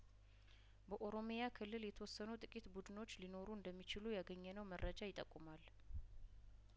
በኦሮሚያ ክልል የተወሰኑ ጥቂት ቡድኖች ሊኖሩ እንደሚችሉ ያገኘነው መረጃ ይጠቁማል